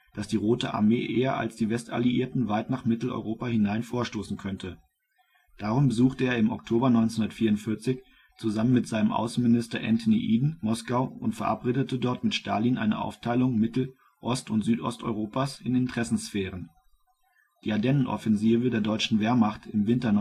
dass die Rote Armee eher als die Westalliierten weit nach Mitteleuropa hinein vorstoßen könnte. Darum besuchte er im Oktober 1944 zusammen mit seinem Außenminister Anthony Eden Moskau und verabredete dort mit Stalin eine Aufteilung Mittel - Ost - und Südosteuropas in Interessensphären. Die Ardennen-Offensive der deutschen Wehrmacht im Winter